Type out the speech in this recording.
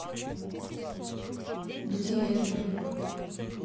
где я живу